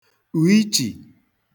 ùichì